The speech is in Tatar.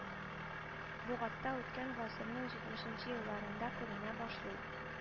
Бугатта үткән гасырның җитмешенче елларында күренә башлый,